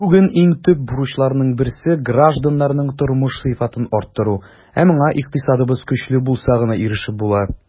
Бүген иң төп бурычларның берсе - гражданнарның тормыш сыйфатын арттыру, ә моңа икътисадыбыз көчле булса гына ирешеп була.